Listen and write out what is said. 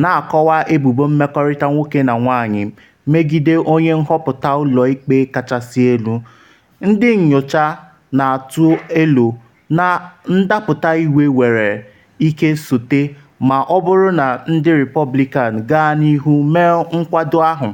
na-akọwa ebubo mmekọrịta nwoke na nwanyị megide onye nhọpụta Ụlọ Ikpe kachasị Elu, ndị nyocha na-atụ elo na ndapụta iwe nwere ike sote ma ọ bụrụ na ndị Repọblikan gaa n’ihu mee nkwado ahụ.